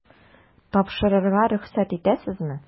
Тапшырырга рөхсәт итәсезме? ..